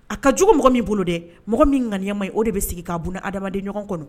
A ka jugu mɔgɔ min bolo dɛ mɔgɔ min ŋanimaa ye o de bɛ sigi k'a bon adamadamaden ɲɔgɔn kɔnɔ